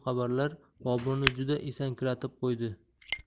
shum xabarlar boburni juda esankiratib qo'ydi